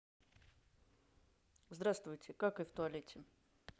здравствуйте какай в туалете